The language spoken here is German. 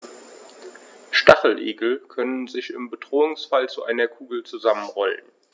Stacheligel können sich im Bedrohungsfall zu einer Kugel zusammenrollen.